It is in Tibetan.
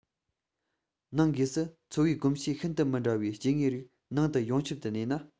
ནང སྒོས སུ འཚོ བའི གོམས གཤིས ཤིན ཏུ མི འདྲ བའི སྐྱེ དངོས རིགས ནང དུ ཡོངས ཁྱབ ཏུ གནས ན